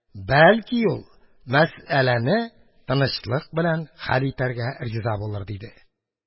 Бәлки, ул мәсьәләне тынычлык белән хәл итәргә риза булыр, – диде.